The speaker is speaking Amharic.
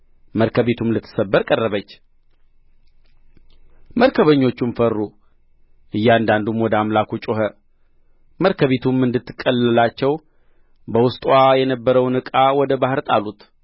መርከቢቱም ልትሰበር ቀረበች መርከበኞቹም ፈሩ እያንዳንዱም ወደ አምላኩ ጮኸ መርከቢቱም እንድትቀልልላቸው በውስጥዋ የነበረውን ዕቃ ወደ ባሕር ጣሉት